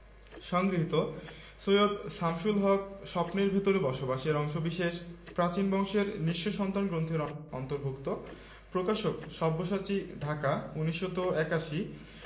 একটা সেলাই মেশিন তাহলে দেখিস আমাকে আর তোদের টানতে হবে না সেলাই টেলাই করে আমি খুব চালিয়ে নিতে পারব খোকনটাও বড় হয়ে যাবে তুই যদি ওকেও তখন আরব দেশে নিয়ে যেতে পারিস পারবি না পারব না কেন